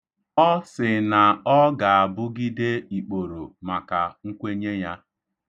Ọ sị na ọ ga-abugide ikporo maka nkwenye ya.